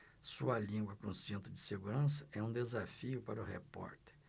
sua língua com cinto de segurança é um desafio para o repórter